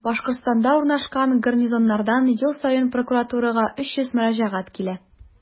Башкортстанда урнашкан гарнизоннардан ел саен прокуратурага 300 мөрәҗәгать килә.